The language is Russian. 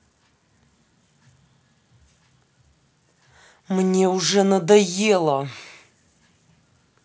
мне уже надоело